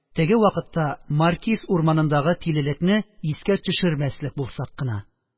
Теге вакытта маркиз урманындагы тилелекне искә төшермәслек булсак кына.